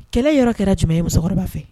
Kɛlɛ yɔrɔ kɛra jumɛn ye musokɔrɔba fɛ